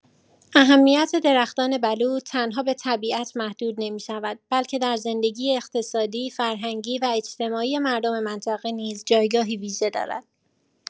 اهمیت درختان بلوط تنها به طبیعت محدود نمی‌شود، بلکه در زندگی اقتصادی، فرهنگی و اجتماعی مردم منطقه نیز جایگاهی ویژه دارد.